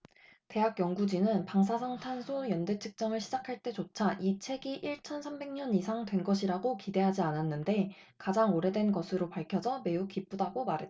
대학 연구진은 방사성탄소 연대측정을 시작할 때조차 이 책이 일 천 삼백 년 이상 된 것이라고 기대하지 않았는데 가장 오래된 것으로 밝혀져 매우 기쁘다고 말했다